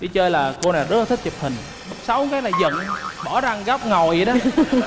đi chơi là cô nàng rất là thích chụp hình sáu cái là giận bỏ ra đằng góc ngồi dậy đó